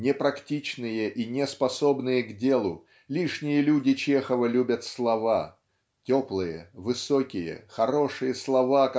Непрактичные и неспособные к делу, лишние люди Чехова любят слова теплые высокие хорошие слова